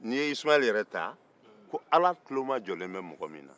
n'i ye isumayɛli yɛrɛ ta ko ala tulo majɔlen bɛ mɔgɔ min na